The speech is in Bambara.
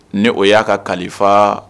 Ni o y'a ka kalifa